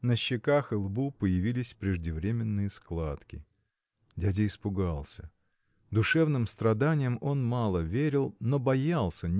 На щеках и на лбу появились преждевременные складки. Дядя испугался. Душевным страданиям он мало верил но боялся